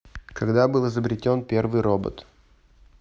когда был изобретен первый робот